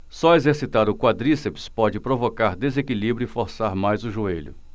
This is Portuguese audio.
só exercitar o quadríceps pode provocar desequilíbrio e forçar mais o joelho